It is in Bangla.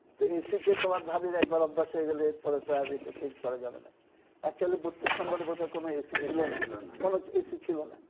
এসি তে তোমার ভাবির একবার অভ্যাস হয়ে গেলে আর এটা চেঞ্জ করা যাবে না একচুয়ালি ৩২ নম্বরে বোধহয় কোন এসি ছিল না এসি ছিল না কোন এসি ছিল না